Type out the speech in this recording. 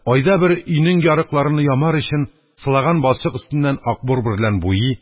Айда бер өйнең ярыкларыны ямар өчен сылаган балчык өстеннән акбур берлән буйый